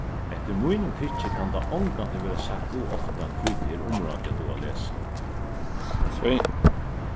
eftir mínum tykki kann tað ongantíð verða sagt ov ofta hví tað er umráðandi at duga at lesa